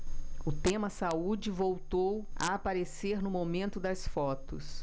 o tema saúde voltou a aparecer no momento das fotos